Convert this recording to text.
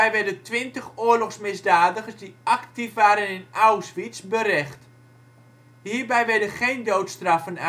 werden twintig oorlogsmisdadigers die actief waren in Auschwitz berecht. Hierbij werden geen doodstraffen